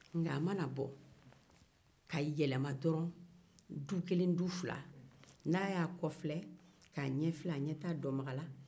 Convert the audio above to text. nka a mana bɔ k'a yɛlɛma dɔrɔn du kelen du fila n'a y'a kɔ filɛ k'a ɲɛfilɛ a ɲɛ t'a dɔnbaga la